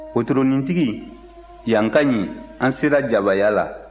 wotoronintigi yan ka ɲi an sera jabaaya la